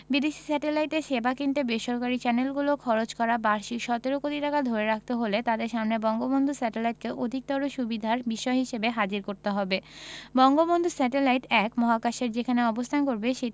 বিদেশি স্যাটেলাইটের সেবা কিনতে বেসরকারি চ্যানেলগুলোর খরচ করা বার্ষিক ১৭ কোটি টাকা ধরে রাখতে হলে তাদের সামনে বঙ্গবন্ধু স্যাটেলাইটকে অধিকতর সুবিধার বিষয় হিসেবে হাজির করতে হবে বঙ্গবন্ধু স্যাটেলাইট ১ মহাকাশের যেখানে অবস্থান করবে